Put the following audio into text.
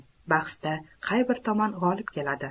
bahsda qay bir tomon g'olib keladi